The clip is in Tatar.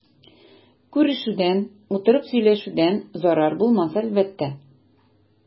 Күрешүдән, утырып сөйләшүдән зарар булмас әлбәттә.